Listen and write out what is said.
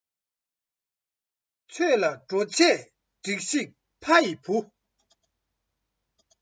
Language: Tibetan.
ཆོས ལ འགྲོ ཆས སྒྲིགས ཤིག ཕ ཡི བུ